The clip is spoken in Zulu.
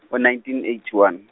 oh nineteen eighty one.